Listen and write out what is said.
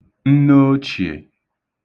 nnoochìè